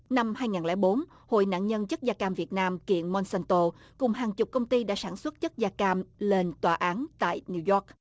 năm hai ngàn lẻ bốn hội nạn nhân chất da cam việt nam kiện mon san tô cùng hàng chục công ty đã sản xuất chất da cam lên tòa án tại niu doóc